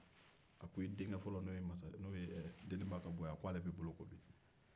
a ko e denkɛ fɔlɔ n'o ye deninba ka bɔ ye a ko ale bolo bɛ ko bi